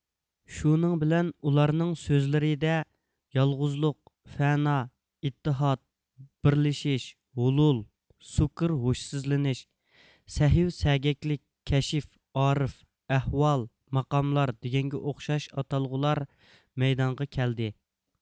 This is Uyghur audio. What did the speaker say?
شۇنىڭ بىلەن ئۇلارنىڭ سۆزلىرىدە يالغۇزلۇق فەنا ئىتتىھاد بىرلىشىش ھۇلۇل سۇكرھوشسىزلىنىش سەھۋسەگەكلىك كەشف ئارىف ئەھۋال ماقاملار دېگەنگە ئوخشاش ئاتالغۇلار مەيدانغا كەلدى